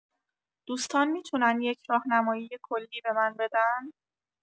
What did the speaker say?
دوستان می‌تونن یک راهنمایی کلی به من بدن؟